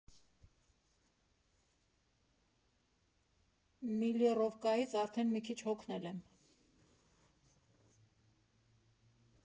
Միլիռովկայից արդեն մի քիչ հոգնել եմ…